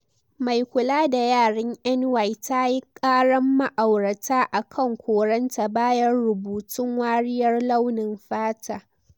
Mai kula da yaran NY tayi karan ma’aurata akan koranta bayan rubutun "wariyar launin fata"